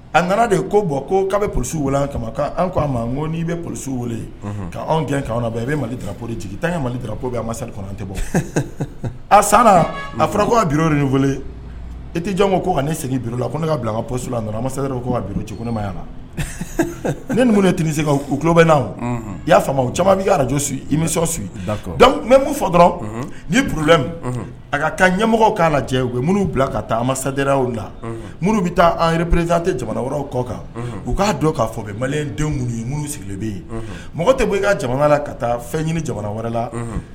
A nana de ko bɔ ko'a bɛ p kamaan ko a ma ko n'i bɛ p wele' anw gɛn ka bɔ i bɛ mali doli jigin tan ka mali drapoli ma tɛ bɔ a sara a fara bi wele i tɛ jɔ ko ko ne seginla ko ne ka bila ka pla a sa ne ma yan ni ti se u tulolobɛnna y'a faamu caman bɛ' jo su i bɛ sɔn su mɛ mun fɔ dɔrɔn ni plɛ min a ka ka ɲɛmɔgɔ'a lajɛ u minnu bila ka taa ma saw la muru bɛ taa anreperez tɛ jamana wɛrɛw kɔ kan u k'a dɔn k'a fɔ bɛ mali denw mun ye minnu sigilen bɛ ye mɔgɔ tɛ bɔ i ka jamana la ka taa fɛn ɲini jamana wɛrɛ la